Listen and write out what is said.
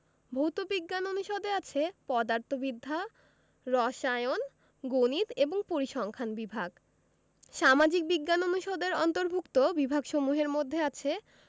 ভৌত বিজ্ঞান অনুষদে আছে পদার্থবিদ্যা রসায়ন গণিত এবং পরিসংখ্যান বিভাগ সামাজিক বিজ্ঞান অনুষদের অন্তর্ভুক্ত বিভাগসমূহের মধ্যে আছে